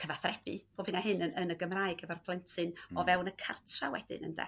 cyfathrebu bob hyn a hyn yn y Gymraeg efo'r plentyn o fewn y cartra wedyn ynde?